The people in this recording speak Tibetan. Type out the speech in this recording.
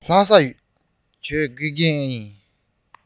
རང དགེ རྒན ཡིན པས